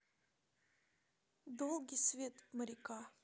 долгий свет моряка